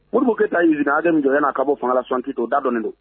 Purubuke taa yeniina a min n naa ka bɔ fangala sɔnki to o dadɔ don